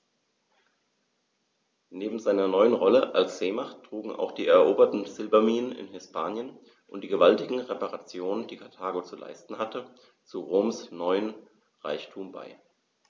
Neben seiner neuen Rolle als Seemacht trugen auch die eroberten Silberminen in Hispanien und die gewaltigen Reparationen, die Karthago zu leisten hatte, zu Roms neuem Reichtum bei.